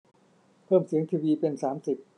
เพิ่มเสียงทีวีเป็นสามสิบ